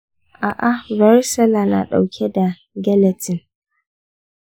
a'a, varicella na ɗauke da gelatin.